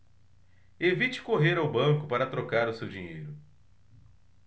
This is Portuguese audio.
evite correr ao banco para trocar o seu dinheiro